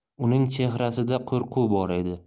uning chehrasida qo'rquv bor edi